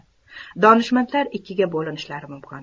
donishmandlar ikkiga bo'linishlari mumkin